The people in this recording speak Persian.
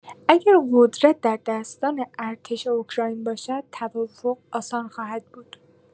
اگر قدرت در دستان ارتش اوکراین باشد، توافق آسان خواهد بود.